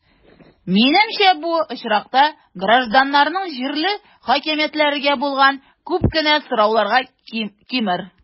Минемчә, бу очракта гражданнарның җирле хакимиятләргә булган күп кенә сораулары кимер.